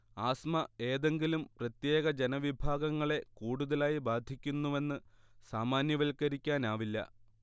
asthma ഏതെങ്കിലും പ്രത്യേക ജനവിഭാഗങ്ങളെ കൂടുതലായി ബാധിക്കുന്നുവെന്ന് സാമാന്യവൽക്കരിക്കാനാവില്ല